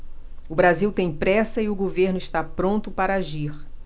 o brasil tem pressa e o governo está pronto para agir